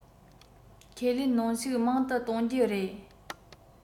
ཁས ལེན གནོན ཤུགས མང དུ གཏོང རྒྱུ རེད